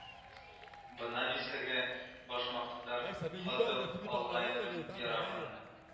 Бына бисәгә башмактар һатып алгайнем яраманы